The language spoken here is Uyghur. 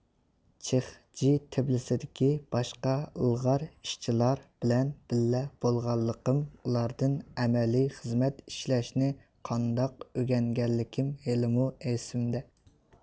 چىخجى تبىلىسدىكى باشقا ئىلغار ئىشچىلار بىلەن بىللە بولغانلىقىم ئۇلاردىن ئەمەلىي خىزمەت ئىشلەشنى قانداق ئۆگەنگەنلىكىم ھېلىمۇ ئېسىمدە